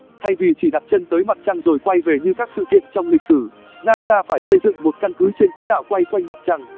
thay vì chỉ đặt chân tới mặt trăng rồi quay về như các sự kiện trong lịch sử nasa phải xây dựng một căn cứ trên quỹ đạo quay quanh mặt trăng